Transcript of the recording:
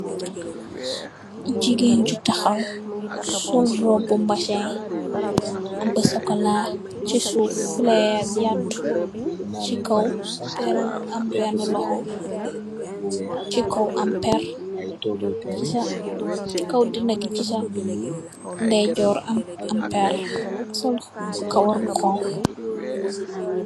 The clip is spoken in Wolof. Gigen jou taxaw sole robu mbsee bou socola cehsouf yaato cehkaw am bene loho cehsakaw danebi cehweto ndayjor bi anpere mousol kawar gou xonxu